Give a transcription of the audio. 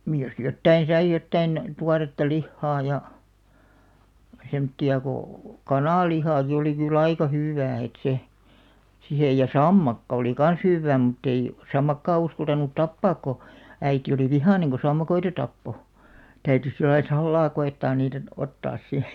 niin jos jotakin sai jotakin tuoretta lihaa ja semmoista kun kananlihakin oli kyllä aika hyvää että se siihen ja sammakko oli kanssa hyvää mutta ei sammakkoa uskaltanut tappaa kun äiti oli vihainen kun sammakoita tappoi täytyi sillä lailla salaa koettaa niitä ottaa sitten